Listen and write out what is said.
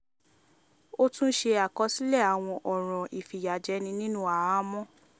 Ó tún ṣe àkọsílẹ̀ àwọn ọ̀ràn ìfìyàjẹni nínú àhámọ́.